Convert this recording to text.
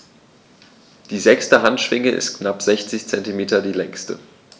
Die sechste Handschwinge ist mit knapp 60 cm die längste.